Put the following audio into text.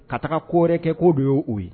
Ka taga koɔrɛ kɛ ko don y ye u ye